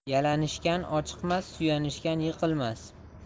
yalanishgan ochiqmas suyanishgan yiqilmas